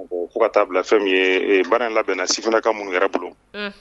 Fo ka taa bila fɛn min ye baara in labɛnna si fana ka mun yɛrɛ bolo